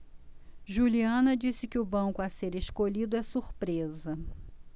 juliana disse que o banco a ser escolhido é surpresa